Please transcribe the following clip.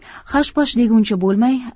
hash pash deguncha bo'lmay